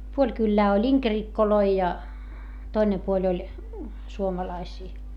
puoli kylää oli inkerikkoja ja toinen puoli oli suomalaisia